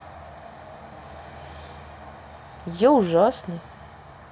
я ужасный